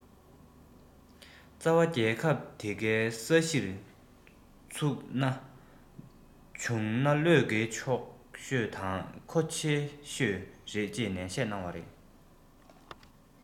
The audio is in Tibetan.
རྩ བ རྒྱལ ཁབ དེ གའི ས གཞིར ཚུགས ན བྱུང ན བློས འགེལ ཆོག ཤོས དང མཁོ ཆེ ཤོས རེད ཅེས ནན བཤད གནང བ རེད